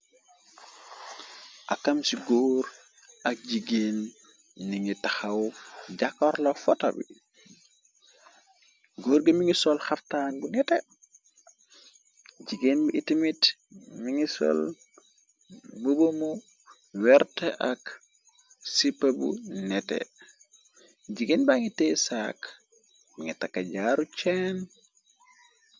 Akam ci góor ak jigéen ni ngi taxaw jakorla fota bi góor ga mi ngi sol xaftaan bu nete jigéen bi itimit mi ngi sol bu bomu werte ak sipa bu nete jigéen ba ngi tee saak mi ngi taka jaaru chenn.